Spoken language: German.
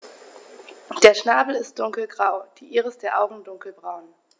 Der Schnabel ist dunkelgrau, die Iris der Augen dunkelbraun.